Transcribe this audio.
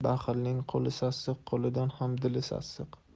baxilning qo'li siqiq qo'lidan ham dili siqiq